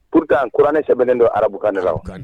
Pourtant kuranɛ sɛbɛnnen don arabukan de la o arabukan de